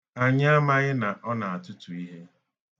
Anyị amaghị na ọ na-atụtụ ihe.